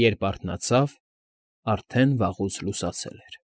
Երբ արթնացավ, արդեն վաղուց լուսացել էր։